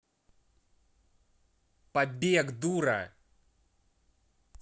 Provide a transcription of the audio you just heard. побег дура